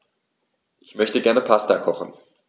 Ich möchte gerne Pasta kochen.